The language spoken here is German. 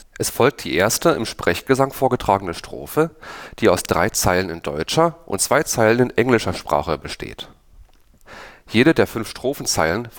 Es folgt die erste im Sprechgesang vorgetragene Strophe, die aus drei Zeilen in deutscher und zwei Zeilen in englischer Sprache besteht. Jede der fünf Strophenzeilen